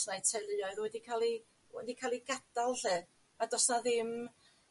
'na a'u teuluoedd wedi ca'l 'u wedi ca'l 'u gadal 'lly a do's 'na ddim